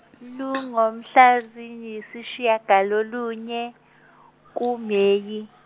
lungomhla ziyisishagalolunye , kuMeyi.